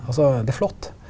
altså det er flott.